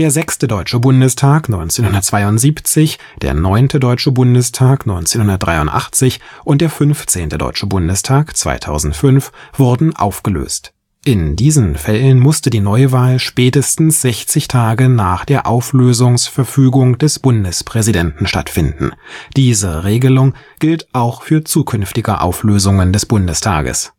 6. Deutsche Bundestag (1972), der 9. Deutsche Bundestag (1983) und der 15. Deutsche Bundestag (2005) wurden aufgelöst. In diesen Fällen musste die Neuwahl spätestens sechzig Tage nach der Auflösungsverfügung des Bundespräsidenten stattfinden; diese Regelung gilt auch für zukünftige Auflösungen des Bundestages